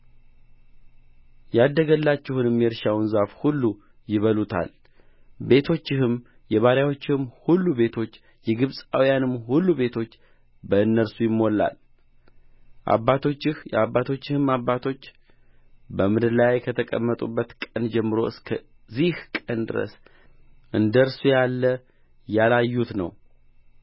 ያደገላችሁንም የእርሻውን ዛፍ ሁሉ ይበሉታል ቤቶችህም የባሪያዎችህም ሁሉ ቤቶች የግብፃውያንም ሁሉ ቤቶች በእነርሱ ይሞላል አባቶችህ የአባቶችህም አባቶች በምድር ላይ ከተቀመጡበት ቀን ጀምሮ እስከዚህ ቀን ድረስ እንደ እርሱ ያለ ያላዩት ነው